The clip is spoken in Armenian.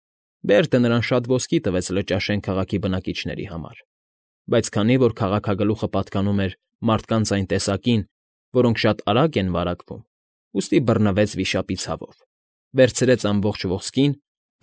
Բերդը նրան շատ ոսկի տվեց Լճաշեն քաղաքի բնակիչների համար, բայց քանի որ քաղաքագլուխը պատկանում էր մարդկանց այն տեսակին, որոնք շատ արագ են վարակվում, ուստի բռնվեց վիշապի ցավով, վերցրեց ամբողջ ոսկին,